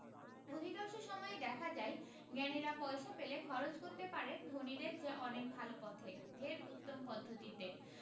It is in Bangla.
অধিকাংশ সময়েই দেখা যায় জ্ঞানীরা পয়সা পেলে খরচ করতে পারেন ধনীদের চেয়ে অনেক ভালো পথে ঢের উত্তম পদ্ধতিতে